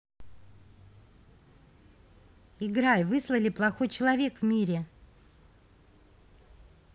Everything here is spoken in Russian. играй выслали плохой человек в мире